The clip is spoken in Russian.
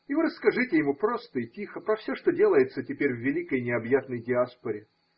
И вы расскажите ему просто и тихо про все, что делается теперь в великой, необъятной диаспоре.